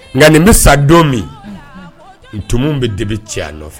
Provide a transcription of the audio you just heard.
Nga nin bi sa don min Unhun tumuw bɛ dibi cɛ a nɔfɛ.